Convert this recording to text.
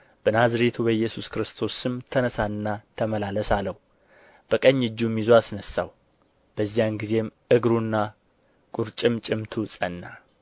በናዝሬቱ በኢየሱስ ክርስቶስ ስም ተነሣና ተመላለስ አለው በቀኝ እጁም ይዞ አስነሣው በዚያን ጊዜም እግሩና ቍርጭምጭምቱ ጸና